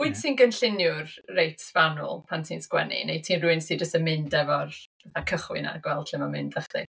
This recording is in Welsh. Ie... wyt ti'n gynlluniwr reit fanwl pan ti'n sgwennu, neu ti'n rywun sy jyst yn mynd efo'r fatha cychwyn a gweld lle mae'n mynd â chdi?